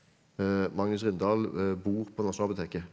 Magnus Rindal bor på Nasjonalbiblioteket.